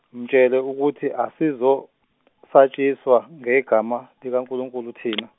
mtshele ukuthi asizosatshiswa ngegama likaNkulunkulu thina.